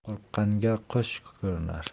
qo'rqqanga qo'sh ko'rinar